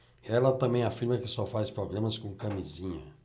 ela também afirma que só faz programas com camisinha